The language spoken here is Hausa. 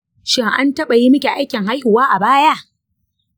shin an taɓa yi miki aikin haihuwa a baya?